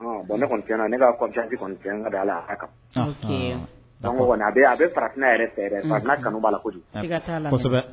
Bɔn ne ne ka ka la kan a bɛ farafin yɛrɛ fɛɛrɛ fara kanu b' la kojugu